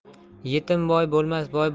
yetim boy bo'lmas boy